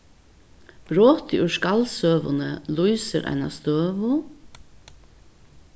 brotið úr skaldsøguni lýsir eina støðu